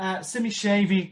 Yy sim isie i fi